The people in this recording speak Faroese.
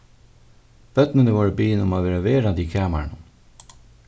børnini vórðu biðin um at verða verandi í kamarinum